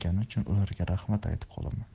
uchun ularga rahmat aytib qolaman